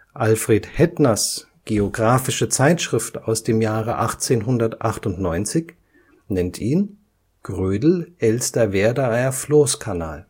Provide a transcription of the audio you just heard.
Alfred Hettners Geographische Zeitschrift aus dem Jahre 1898 nennt ihn Grödel-Elsterwerdaer Floßkanal